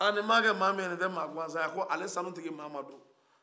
a nin maakɛ maa min ye nin tɛ maaguwasan ye a ko ale sanu tigi mama don